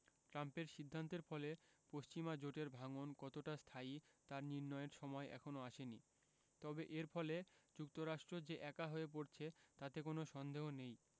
ট্রাম্পের সিদ্ধান্তের ফলে পশ্চিমা জোটের ভাঙন কতটা স্থায়ী তা নির্ণয়ের সময় এখনো আসেনি তবে এর ফলে যুক্তরাষ্ট্র যে একা হয়ে পড়ছে তাতে কোনো সন্দেহ নেই